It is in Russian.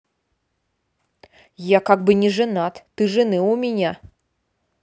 я как бы не женат ты жены у меня